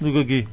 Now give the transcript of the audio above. Louga gii